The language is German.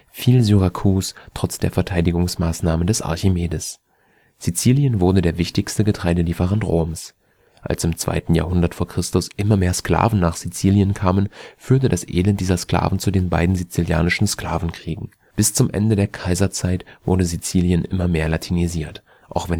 fiel Syrakus trotz der Verteidigungsmaßnahmen des Archimedes. Sizilien wurde der wichtigste Getreidelieferant Roms. Als im 2. Jahrhundert v. Chr. immer mehr Sklaven nach Sizilien kamen, führte das Elend dieser Sklaven zu den beiden sizilianischen Sklavenkriegen. Bis zum Ende der Kaiserzeit wurde Sizilien immer mehr latinisiert, auch